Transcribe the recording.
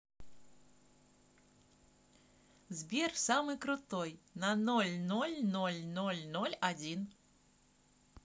сбер самый крутой на ноль ноль ноль ноль ноль один